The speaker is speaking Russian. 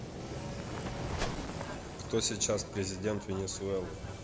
кто сейчас президент венесуэлы